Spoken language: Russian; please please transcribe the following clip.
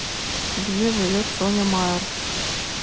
где живет соня майер